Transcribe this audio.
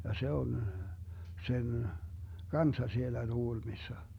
ja se on sen kanssa siellä Tukholmassa